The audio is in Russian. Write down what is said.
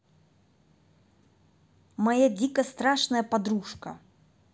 моя дико страшная подружка